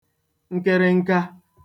nkịrịnka